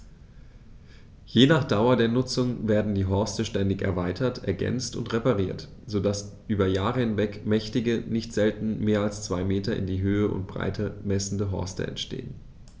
Je nach Dauer der Nutzung werden die Horste ständig erweitert, ergänzt und repariert, so dass über Jahre hinweg mächtige, nicht selten mehr als zwei Meter in Höhe und Breite messende Horste entstehen.